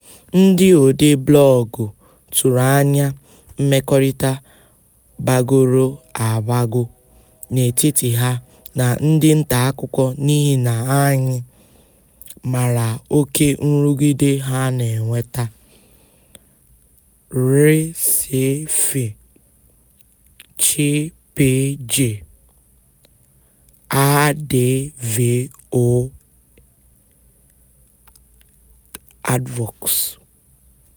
Ndị odee blọọgụ tụrụ anya mmekọrịta gbagoro agbago n'etiti ha na ndị ntaakụkọ n'ịhị na anyị maara oke nrụgide ha na-enweta (RSF, CPJ, Advox).